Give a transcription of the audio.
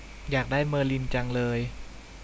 อยากได้เมอร์ลินจังเลย